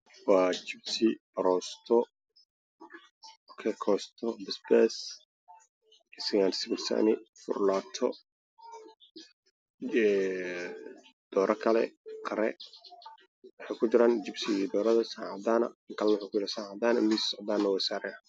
Halkaan waxaa ka muuqdo saxan cad oo ay ku jiraan baasto asalaato guduud ah biyo guduudan way agyaalaan